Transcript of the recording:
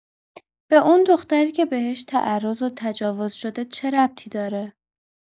به اون دختری که بهش تعرض و تجاوز شده چه ربطی داره؟